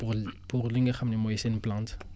pour pour li nga xam ne mooy seen plante